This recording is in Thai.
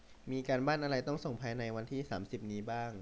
มีการบ้านอะไรต้องส่งภายในวันที่สามสิบนี้บ้าง